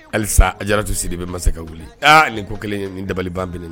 Halisa a diyararatu siri bɛ ma se ka wuli aa nin ko kelen ye nin dabaliban kelen